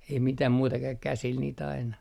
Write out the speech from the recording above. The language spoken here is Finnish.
ei mitään muuta - käsillä niitä aina